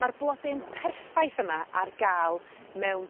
Ma'r blodyn perffaith yma ar ga'l mewn